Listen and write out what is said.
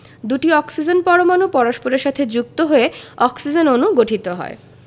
দুটি অক্সিজেন পরমাণু পরস্পরের সাথে যুক্ত হয়ে অক্সিজেন অণু গঠিত হয়